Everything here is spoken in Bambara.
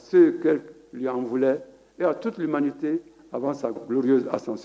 Se kɛralɛ totirili man ce a bɛ sa asan